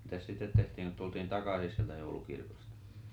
mitäs sitten tehtiin kun tultiin takaisin sieltä joulukirkosta